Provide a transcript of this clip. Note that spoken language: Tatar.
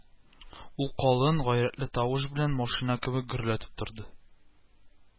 Ул калын, гайрәтле тавыш белән машина кебек гөрләтеп торды